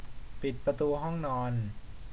ปิดประตูห้องนอน